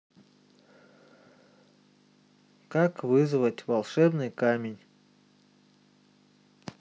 как вызвать волшебный камень